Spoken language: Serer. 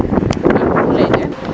xa bug o lay teen ?